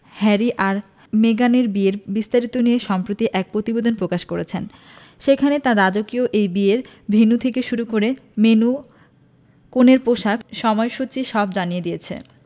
Harry আর মেগানের বিয়ের বিস্তারিত নিয়ে সম্প্রতি এক প্রতিবেদন প্রকাশ করেছে সেখানে তারা রাজকীয় এই বিয়ের ভেন্যু থেকে শুরু করে মেন্যু কনের পোশাক সময়সূচী সব জানিয়ে দিয়েছে